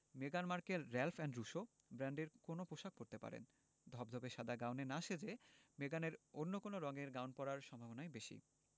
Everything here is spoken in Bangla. মেগান Markle Ralph and Russo ব্র্যান্ডের কোনো পোশাক পরতে পারেন ধবধবে সাদা গাউনে না সেজে মেগানের অন্য কোন রঙের গাউন পরার সম্ভাবনাই বেশি